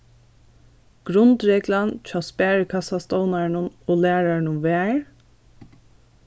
grundreglan hjá sparikassastovnarunum og lærarunum var